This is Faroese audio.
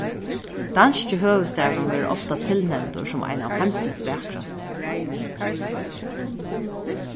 danski høvuðsstaðurin verður ofta tilnevndur sum ein av heimsins vakrastu